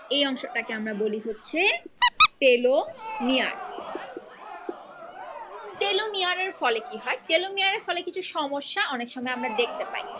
এই অংশটা কে আমরা বলি হচ্ছে টেলোমিয়ার টেলোমিয়ারের ফলে কি হয় টেলোমিয়ারের ফলে কিছু সমস্যা অনেক সময় আমরা দেখতে পাই